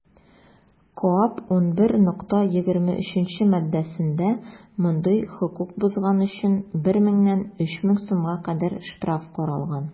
КоАП 11.23 маддәсендә мондый хокук бозган өчен 1 меңнән 3 мең сумга кадәр штраф каралган.